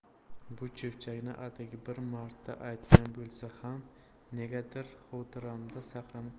bu cho'pchakni atigi bir marta aytgan bo'lsa ham negadir xotiramda saqlanib qoldi